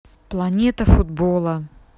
планета футбола